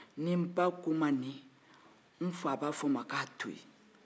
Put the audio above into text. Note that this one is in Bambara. ni n ba ko n ma nin n fa b'a fɔ k'a to yen